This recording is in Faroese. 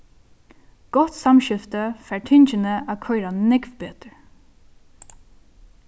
gott samskifti fær tingini at koyra nógv betur